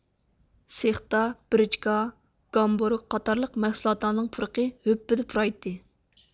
سېختا برىچكا گامبورك قاتارلىق مەھسۇلاتلارنىڭ پۇرىقى ھۈپپىدە پۇرايتتى